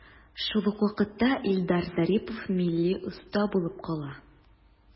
Шул ук вакытта Илдар Зарипов милли оста булып кала.